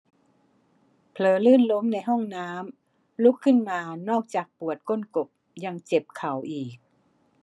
เผลอลื่นล้มในห้องน้ำลุกขึ้นมานอกจากปวดก้นกบยังเจ็บเข่าอีก